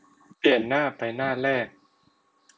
เปลี่ยนหน้าไปหน้าแรก